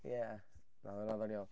Ie, na, ma' hwnna'n ddoniol.